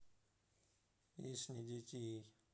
песни детей